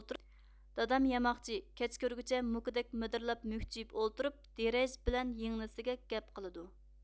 دادام ياماقچى كەچ كىرگۈچە موكىدەك مىدىرلاپ مۈكچىيىپ ئولتۇرۇپ دىرەج بىلەن يىڭنىسىگە گەپ قىلىدۇ